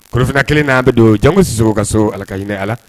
Finna kelen n'a bɛ don jamugo siso kaso a ka hinɛinɛ a